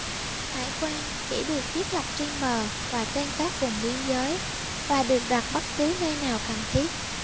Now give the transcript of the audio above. hải quan chỉ được thiết lập trên bờ và trên các vùng biên giới và được đặt bất cứ nơi nào cần thiết